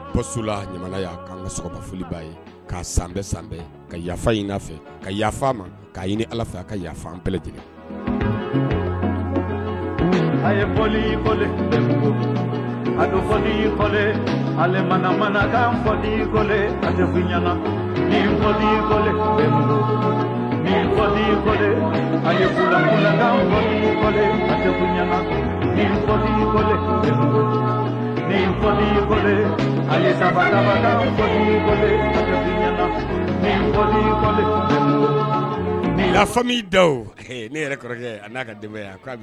Yafa ma ala kafalelefami da ne yɛrɛ kɔrɔkɛ